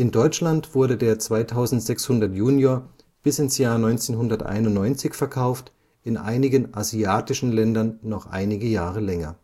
Deutschland wurde der 2600 Junior bis 1991 verkauft, in einigen asiatischen Ländern noch einige Jahre länger